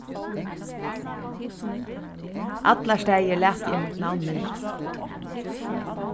allar staðir lati eg mítt navn minnast